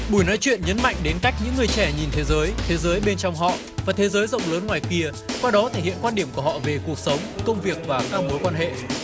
buổi nói chuyện nhấn mạnh đến cách những người trẻ nhìn thế giới thế giới bên trong họ và thế giới rộng lớn ngoài kia qua đó thể hiện quan điểm của họ về cuộc sống công việc và các mối quan hệ